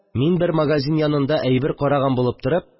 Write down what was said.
Мин, бер магазин янында әйбер караган булып торып